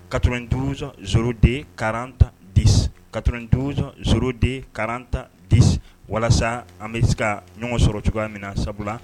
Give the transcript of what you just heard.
Katoren duuru son szo de karan ta di katoren sonzro de karan ta di walasa an bɛ se ka ɲɔgɔn sɔrɔ cogoya min na sabula